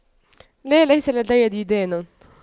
لا ليس لدي ديدان